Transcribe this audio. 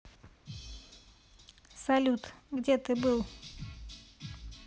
салют где ты был